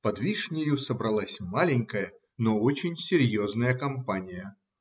Под вишнею собралась маленькая, но очень серьезная компания